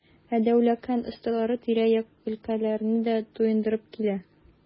Ә Дәүләкән осталары тирә-як өлкәләрне дә туендырып килә.